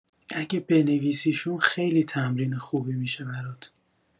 اگه بنویسیشون خیلی تمرین خوبی می‌شه برات